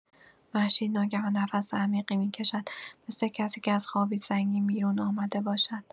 مهشید ناگهان نفس عمیقی می‌کشد، مثل کسی که از خوابی سنگین بیرون آمده باشد.